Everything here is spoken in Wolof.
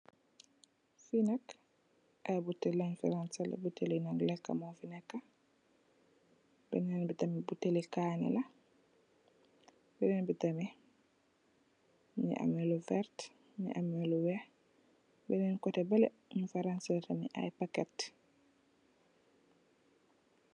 Fii nak, aye buteel lenfi ransaleh, buteeli nak leka mofi neka, beneen bi tamih buteeli kaane la, beneen bi tamih mungi ameh lu vert, mungi ameh lu weeh, beneen kote bele, ñungfa ransaleh tamih aye paket.